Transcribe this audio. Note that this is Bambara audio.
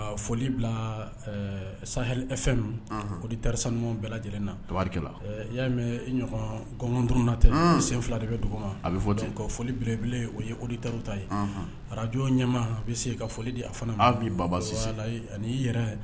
Foli bila sa fɛn o de teri sanu bɛɛ lajɛlenna tori i y'a mɛn i ɲɔgɔn gɔndna tɛ sen fila de bɛ dugu ma a bɛ fɔ ten foli bereb o ye ko taro ta ye araj ɲɛmaa bɛ se ka foli di a fana bi baba ani'i yɛrɛ